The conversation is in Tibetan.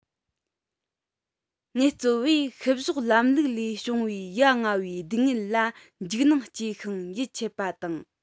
ངལ རྩོལ བས བཤུ གཞོག ལམ ལུགས ལས བྱུང བའི ཡ ང བའི སྡུག བསྔལ ལ འཇིགས སྣང སྐྱེས ཤིང ཡིད ཆད པ དང